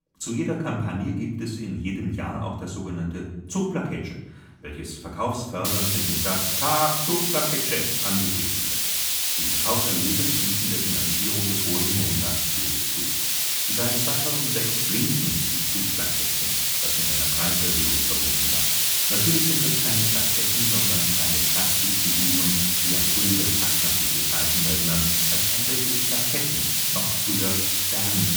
Zu jeder Kampagne gibt es in jedem Jahr auch das sogenannte Zugplakettche, welches verkaufsfördernd mit dem Satz: „ Kaaaft Zuchplakettcher “angepriesen wird. Die Verkaufserlöse fließen der Finanzierung des Rosenmontagszuges zu. Seit 2006 blinken die Zugplakettchen, was mit einer Preiserhöhung verbunden war. Natürlich sind das keine Plaketten, sondern kleine Plastikfiguren, die an frühere fastnachtliche Zeiten erinnern, als tatsächlich Plaketten (noch früher „ Stern